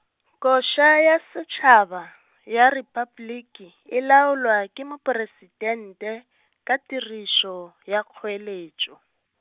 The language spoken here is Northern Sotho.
koša ya setšhaba, ya Repabliki, e laolwa ke mopresitente, ka tirišo, ya kgoeletšo.